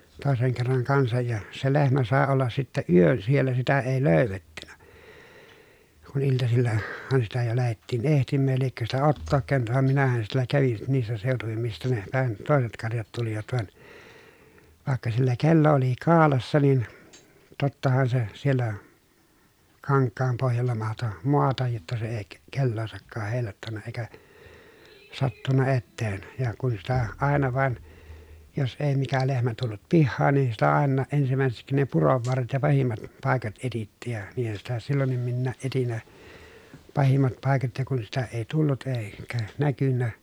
toisen kerran kanssa ja se lehmä sai olla sitten yön siellä sitä ei - löydetty kun - iltasillahan sitä jo lähdettiin etsimään ja liekö sitä Ottoa käynyt vaan minähän siellä kävin niissä seutuvin mistä - nepähän toiset karjat tulivat vaan vaikka sillä kello oli kaulassa niin tottahan se siellä kankaan pohjalla mahtoi maata jotta se ei - kelloansakaan heilauttanut eikä sattunut eteen ja kun sitä aina vain jos ei mikä lehmä tullut pihaan niin sitä aina ensimmäiseksi ne puron varret ja pahimmat paikat etsittiin ja niinhän sitä silloinkin minäkin etsin ne pahimmat paikat ja kun sitä ei tullut - eikä näkynyt